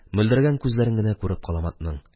Мөлдерәгән күзләрен генә күреп калам атның